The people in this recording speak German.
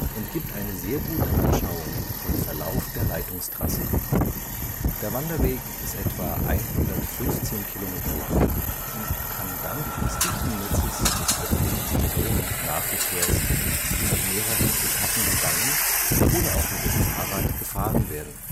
und gibt eine sehr gute Anschauung vom Verlauf der Leitungstrasse. Der Wanderweg ist ca. 115 km lang und kann dank des dichten Netzes des öffentlichen Personennahverkehrs in mehreren Etappen gegangen oder auch mit dem Fahrrad gefahren werden